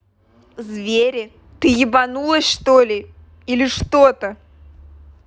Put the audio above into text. звери ты ебанулась что ли или что то